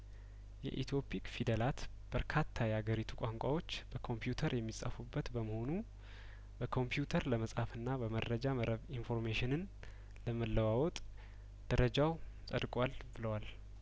የኢትዮ ፒክ ፊደላት በርካታ ያገሪቱ ቋንቋዎች በኮምፒውተር የሚጻፉበት በመሆኑ በኮምፒውተር ለመጻፍና በመረጃ መረብ ኢንፎርሜሽንን ለመለዋወጥ ደረጃው ጸድቋል ብሏል